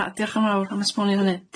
Na diolch yn fawr am esbonio hynny.